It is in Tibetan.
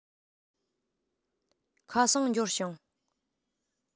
ཁ སང འབྱོར བྱུང